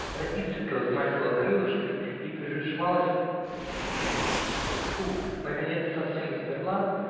Она изредка взмахивала крылышками и прижималась к цветку, наконец совсем замерла.